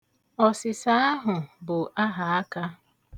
Ọsịsa ahụ bụ ahaaka.